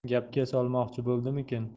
gapga solmoqchi bo'ldimikin